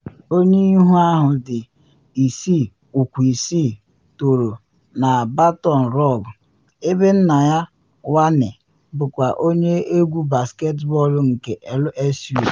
Onye ihu ahụ dị 6-ụkwụ-6 toro na Baton Rouge, ebe nna ya, Wayne, bụkwa onye egwu basketbọọlụ nke LSU.